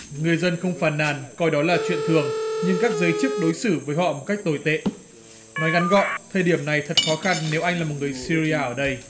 người dân không phàn nàn coi đó là chuyện thường nhưng các giới chức đối xử với họ một cách tồi tệ nói ngắn gọn thời điểm này thật khó khăn nếu anh là một người sy ri a ở đây